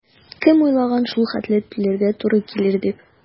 Кем уйлаган шул хәтле түләргә туры килер дип?